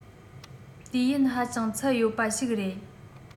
དུས ཡུན ཧ ཅང ཚད ཡོད པ ཞིག རེད